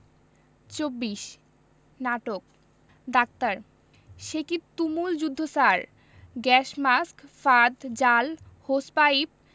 ২৪ নাটক ডাক্তার সেকি তুমুল যুদ্ধ স্যার গ্যাস মাস্ক ফাঁদ জাল হোস পাইপ